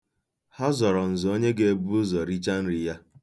Ha zọrọ nzọ onye ga-ebu ụzọ richa nri ya.